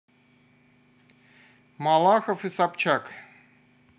малахов и собчак